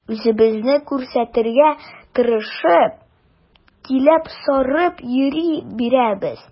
Үзебезне күрсәтергә тырышып, киләп-сарып йөри бирәбез.